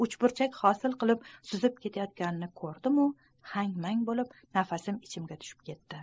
uchburchak hosil qilib suzib ketayotganini ko'rdim u hang mang bo'lib nafasim ichimga tushib ketdi